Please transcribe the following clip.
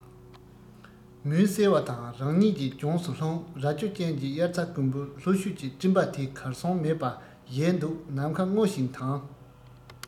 མུན གསལ བ དང ང རང གཉིད ཀྱི ལྗོངས སུ ལྷུང རྭ ཅོ ཅན གྱི དབྱར རྩྭ དགུན འབུ ལྷོ བཞུད ཀྱི སྤྲིན པ དེ གར སོང མེད པར ཡལ འདུག ནམ མཁའ སྔོ ཞིང དྭངས